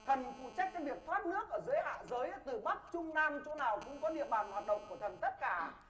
thần phụ trách cái việc thoát nước ở dưới hạ giới từ bắc trung nam chỗ nào cũng có địa bàn hoạt động của thần tất cả